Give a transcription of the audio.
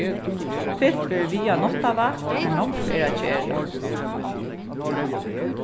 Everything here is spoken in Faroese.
fylgt verður við á náttarvakt har nógv er at gera